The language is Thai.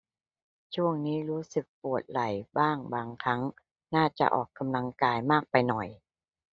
ช่วงนี้รู้สึกปวดไหล่บ้างบางครั้งน่าจะออกกำลังกายมากไปหน่อย